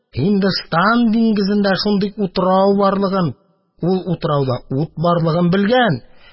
Һиндстан диңгезендә шундый утрау барлыгын, ул утрауда ут барлыгын белгән